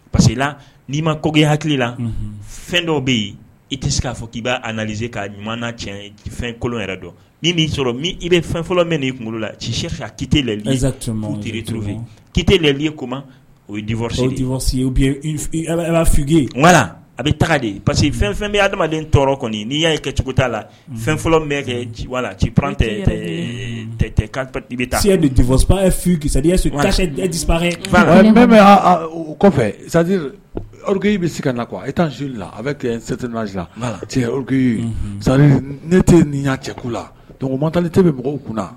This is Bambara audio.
Parce i la n'i ma ko hakili la fɛn dɔw bɛ yen i tɛ se k'a fɔ k' b'a naalize ka ɲuman fɛn kolon yɛrɛ dɔn ni'i sɔrɔ i bɛ fɛn fɔlɔ min'i kunkolo la ci si kite lalizurufɛ ki laliye osi fiye a bɛ taga de parce fɛn fɛn bɛ adamadamaden tɔɔrɔ kɔni n'i y'a ye kɛcogo ttaa la fɛn bɛ kɛwa ci pantɛ nip kɔfɛke i bɛ se ka na kuwa e taari la a bɛ kɛteri ne te nin cɛ lamatɔli tɛ bɛ mɔgɔw kunna